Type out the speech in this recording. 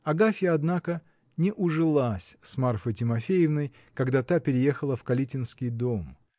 Агафья, однако, не ужилась с Марфой Тимофеевной, когда та переехала в калитинский дом.